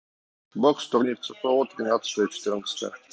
бокс турнир цфо тринадцатое четырнадцатое